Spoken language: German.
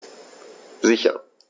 Sicher.